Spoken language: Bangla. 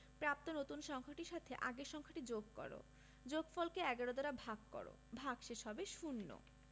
প্রাপ্ত নতুন সংখ্যাটির সাথে আগের সংখ্যাটি যোগ কর যোগফল কে ১১ দ্বারা ভাগ কর ভাগশেষ হবে শূন্য